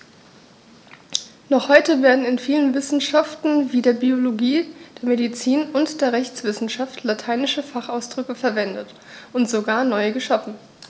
Noch heute werden in vielen Wissenschaften wie der Biologie, der Medizin und der Rechtswissenschaft lateinische Fachausdrücke verwendet und sogar neu geschaffen.